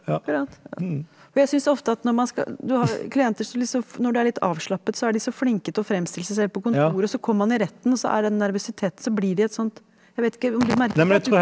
akkurat for jeg syns ofte at når man skal du har klienter som liksom når du er litt avslappet så er de så flinke til å fremstille seg selv på kontoret så kommer man i retten og så er den nervøsiteten så blir de et sånt, jeg vet ikke om du merker .